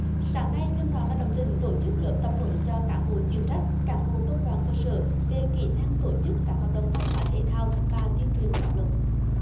sáng nay liên đoàn lao động tỉnh tổ chức lớp tập huấn cho cán bộ chuyên trách cán bộ công đoàn cơ sở về kỹ năng tổ chức các hoạt động văn hóa thể thao và tuyên truyền pháp luật